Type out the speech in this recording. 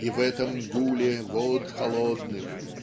И в этом гуле вод холодных